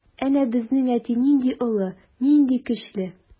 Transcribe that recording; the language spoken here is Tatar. Әнә безнең әти нинди олы, нинди көчле.